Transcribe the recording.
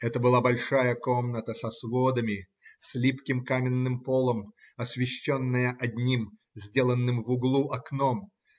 Это была большая комната со сводами, с липким каменным полом, освещенная одним, сделанным в углу, окном